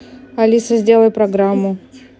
алиса сделай программу